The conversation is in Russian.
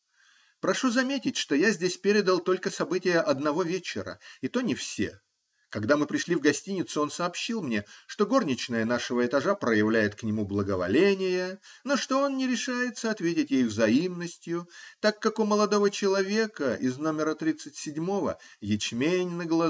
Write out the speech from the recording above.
Прошу заметить, что я здесь передал только события одного вечера, и то не все (когда мы пришли в гостиницу, он сообщил мне, что горничная нашего этажа проявляет к нему благоволение, но что он не решается ответить ей взаимностью, так как у молодого человека из номера тридцать седьмого ячмень на глазу).